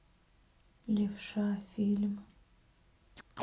левша фильм